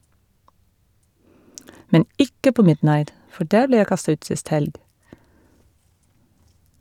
Men IKKE på Midnight , for der ble jeg kasta ut sist helg.